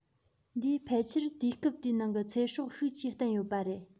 འདིས ཕལ ཆེར དུས སྐབས དེའི ནང གི ཚེ སྲོག ཤུགས ཀྱིས བསྟན ཡོད པ རེད